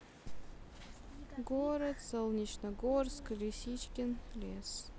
город солнечногорск лисичкин лес